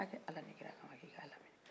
k'a kɛ ala ni kira kama k'i ka laminɛ